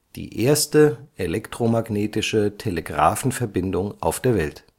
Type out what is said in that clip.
die erste (elektromagnetische) Telegrafenverbindung auf der Welt